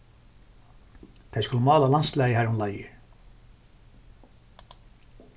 tey skulu mála landslagið har um leiðir